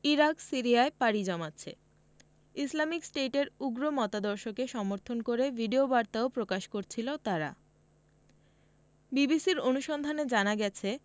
Iraq সিরিয়ায় পাড়ি জমাচ্ছে ইসলামিক স্টেটের উগ্র মতাদর্শকে সমর্থন করে ভিডিওবার্তাও প্রকাশ করছিল তারা বিবিসির অনুসন্ধানে জানা গেছে